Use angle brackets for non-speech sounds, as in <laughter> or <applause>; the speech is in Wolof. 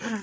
<hesitation> <hesitation>